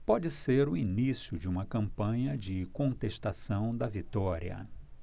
pode ser o início de uma campanha de contestação da vitória